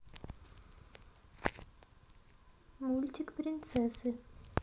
мультик принцессы